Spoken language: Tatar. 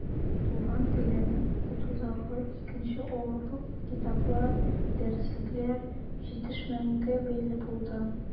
Туган телләрне укытудагы икенче авырлык китаплар, дәреслекләр җитешмәүгә бәйле булды.